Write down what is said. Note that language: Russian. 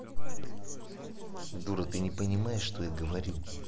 дура ты не понимаешь что я говорю